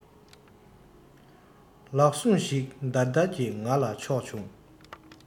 ལག ཟུང ཞིག འདར འདར གྱིས ང ལ ཕྱོགས བྱུང